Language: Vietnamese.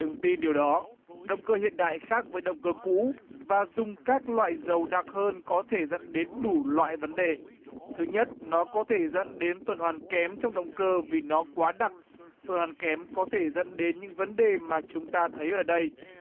đừng tin điều đó động cơ hiện đại khác với động cơ cũ và dùng các loại dầu đặc hơn có thể dẫn đến đủ loại vấn đề thứ nhất nó có thể dẫn đến tuần hoàn kém trong động cơ vì nó quá đặc tôi ăn kém có thể dẫn đến những vấn đề mà chúng ta thấy ở đây